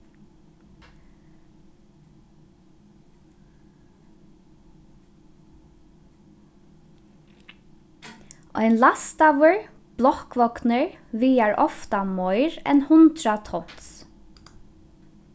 ein lastaður blokkvognur vigar ofta meira enn hundrað tons